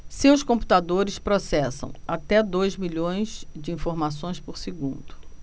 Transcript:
seus computadores processam até dois milhões de informações por segundo